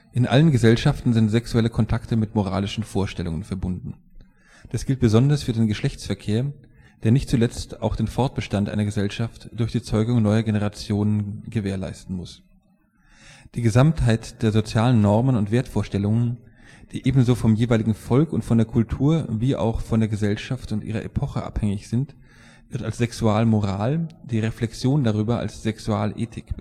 In allen Gesellschaften sind sexuelle Kontakte mit moralischen Vorstellungen verbunden. Das gilt besonders für den Geschlechtsverkehr, der nicht zuletzt auch Fortbestand einer Gesellschaft durch die Zeugung neuer Generationen leisten muss. Die Gesamtheit der sozialen Normen und Wertvorstellungen, die ebenso vom jeweiligen Volk und von der Kultur wie auch von der Gesellschaft und ihrer Epoche abhängig sind, wird als „ Sexualmoral “, die Reflexion darüber als „ Sexualethik